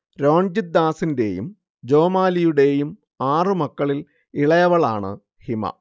രോൺജിത് ദാസിന്റെയും ജൊമാലിയുടെയും ആറുമക്കളിൽ ഇളയവളാണ് ഹിമ